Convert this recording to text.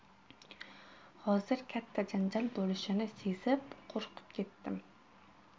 hozir katta janjal bo'lishini sezib qo'rqib ketdim